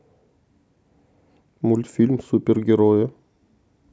мультфильм супергерои